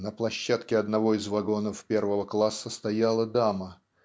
"На площадке одного из вагонов первого класса стояла дама